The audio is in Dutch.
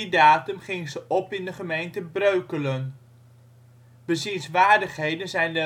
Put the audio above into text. datum ging ze op in de gemeente Breukelen. Bezienswaardigheden zijn